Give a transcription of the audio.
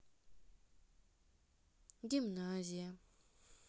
гимназия